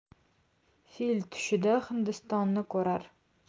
fil tushida hindistonni ko'rar